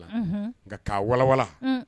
Nka k' wawa